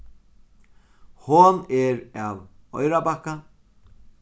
hon er av oyrarbakka